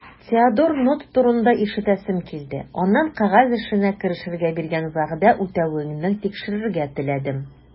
Теодор Нотт турында ишетәсем килде, аннан кәгазь эшенә керешергә биргән вәгъдә үтәвеңне тикшерергә теләдем.